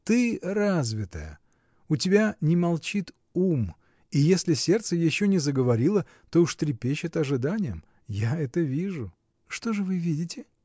— Ты развитая: у тебя не молчит ум, и если сердце еще не заговорило, то уж трепещет ожиданием. Я это вижу. — Что же вы видите?